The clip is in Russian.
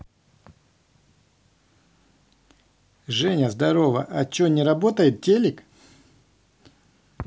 женя здорово а че не работает телек